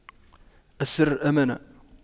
السر أمانة